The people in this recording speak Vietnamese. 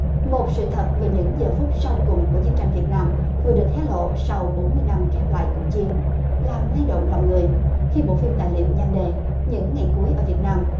một sự thật về những giờ phút sau cùng của chiến tranh việt nam vừa được hé lộ sau bốn mươi năm khép lại cuộc chiến làm lay động lòng người khi bộ phim tài liệu nhan đề những ngày cuối ở việt nam